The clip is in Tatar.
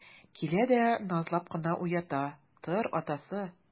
Килә дә назлап кына уята: - Тор, атасы!